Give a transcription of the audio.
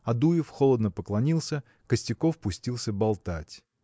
Адуев холодно поклонился, Костяков пустился болтать.